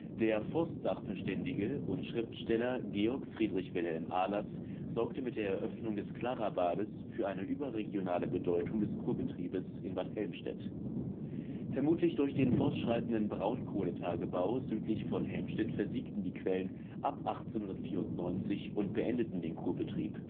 Der Forstsachverständige und Schriftsteller Georg Friedrich Wilhelm Alers sorgte mit der Eröffnung des Clarabades für eine überregionale Bedeutung des Kurbetriebes in Bad Helmstedt. Vermutlich durch den fortschreitenden Braunkohletagebau südlich von Helmstedt versiegten die Quellen ab 1894 und beendeten den Kurbetrieb